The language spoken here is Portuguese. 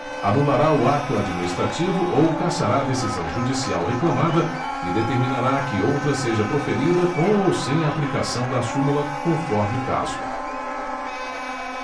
anulará o ato administrativo ou cassará a decisão judicial reclamada e determinará que outra seja proferida com ou sem a aplicação da súmula conforme o caso